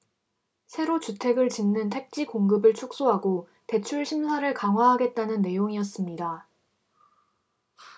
새로 주택을 짓는 택지공급을 축소하고 대출 심사를 강화하겠다는 내용이었습니다